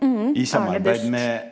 Arnebust.